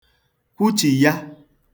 kwuchiya